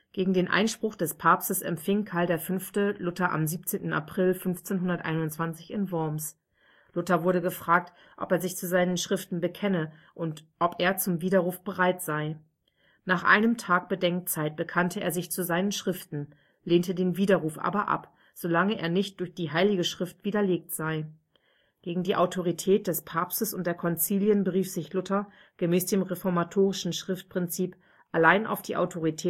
Gegen den Einspruch des Papstes empfing Karl V. Luther am 17. April 1521 in Worms. Luther wurde gefragt, ob er sich zu seinen Schriften bekenne und ob er zum Widerruf bereit sei. Nach einem Tag Bedenkzeit bekannte er sich zu seinen Schriften, lehnte den Widerruf aber ab, solange er nicht durch die Heilige Schrift widerlegt sei. Gegen die Autorität des Papstes und der Konzilien berief sich Luther, gemäß dem reformatorischen Schriftprinzip, allein auf die Autorität